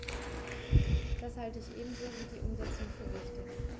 Das halte ich ebenso wie die Umsetzung für wichtig.